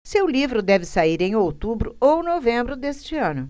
seu livro deve sair em outubro ou novembro deste ano